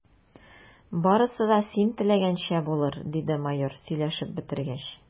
Барысы да син теләгәнчә булыр, – диде майор, сөйләшеп бетергәч.